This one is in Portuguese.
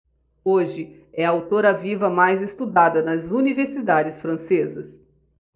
hoje é a autora viva mais estudada nas universidades francesas